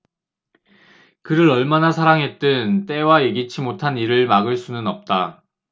그를 얼마나 사랑했든 때와 예기치 못한 일을 막을 수는 없다